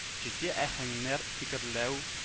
Җитди аһәңнәр фикерләү